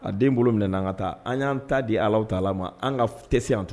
A den bolo minɛ n'an ka taa an y'an ta di Alahu Taala ma an ka tɛ se yan t